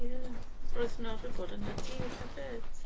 Ie, roedd nhw arfer bod yng Nghaerdydd hefyd.